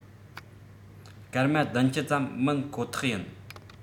སྐར མ ༧༠ ཙམ མིན ཁོ ཐག ཡིན